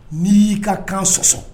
N'i y'i ka kan sɔsɔ